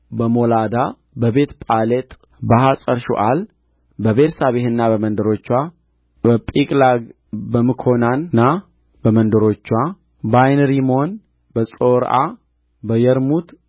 በሞላዳ በቤትጳሌጥ በሐጸርሹዓል በቤርሳቤህና በመንደሮችዋ በጺቅላግ በምኮናና በመንደሮችዋ በዓይንሪሞን በጾርዓ በየርሙት